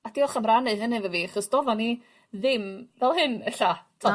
A diolch am rannu hynny 'fo fi 'chos do'ddan ni ddim fel hyn ella t'od?